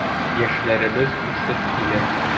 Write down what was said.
Яшьләребез үсеп килә.